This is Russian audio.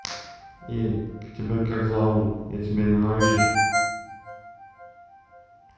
эй тебя как зовут я тебя ненавижу